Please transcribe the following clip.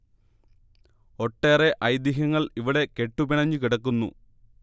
ഒട്ടെറെ ഐതിഹ്യങ്ങൾ ഇവിടെ കെട്ടു പിണഞ്ഞു കിടക്കുന്നു